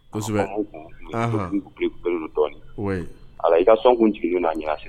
Dɔɔnin a i ka sɔnkuntigi n'a ɲɛna sigi